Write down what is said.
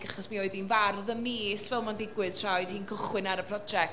achos mi oedd hi'n fardd y mis, fel mae'n digwydd, tra oedd hi'n cychwyn ar y project.